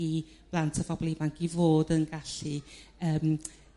i blant a phobol ifanc i fod yn gallu yrm